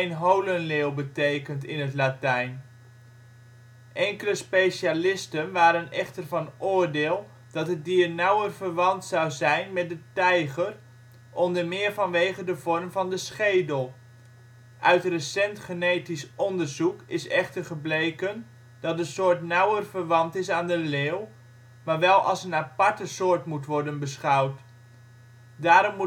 holenleeuw " betekent in het Latijn). Enkele specialisten waren echter van oordeel dat het dier nauwer verwant zou zijn met de tijger, onder meer vanwege de vorm van de schedel. Uit recent genetisch onderzoek is echter gebleken dat de soort nauwer verwant is aan de leeuw, maar wel als een aparte soort moet worden beschouwd. Daarom